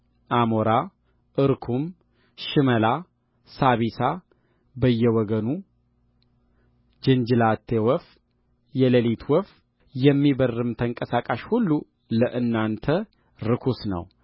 አሞራ እርኩም ሽመላ ሳቢሳ በየወገኑ ጅንጅላቴ ወፍ የሌሊት ወፍ የሚበርርም ተንቀሳቃሽ ሁሉ ለእናንተ ርኩስ ነው